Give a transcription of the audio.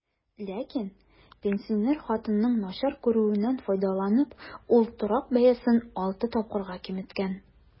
Ләкин, пенсинер хатынның начар күрүеннән файдаланып, ул торак бәясен алты тапкырга киметкән.